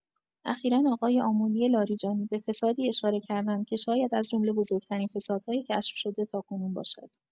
اخیرا آقای آملی لاریجانی به فسادی اشاره کردند که شاید از جمله بزرگ‌ترین فسادهای کشف‌شده تاکنون باشد.